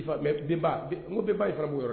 N b ba y' fana yɔrɔ la